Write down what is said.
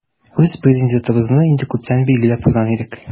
Үз Президентыбызны инде күптән билгеләп куйган идек.